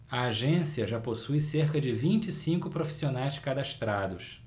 a agência já possui cerca de vinte e cinco profissionais cadastrados